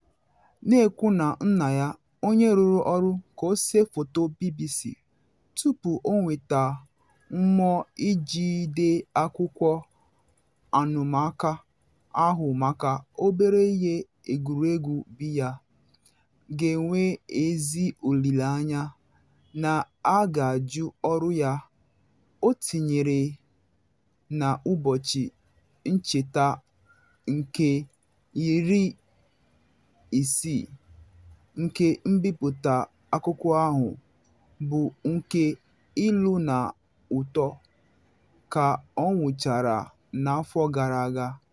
Na ekwu na nna ya, onye rụrụ ọrụ ka ọsee foto BBC tupu ọ nweta mmụọ iji dee akwụkwọ ụmụaka ahụ maka obere ihe egwuregwu biya, ga-enwe ezi olile anya na a ga-ajụ ọrụ ya, o tinyere na ụbọchị ncheta nke 60 nke mbipụta akwụkwọ ahụ bụ nke “ilu na ụtọ” ka ọ nwụchara n’afọ gara aga.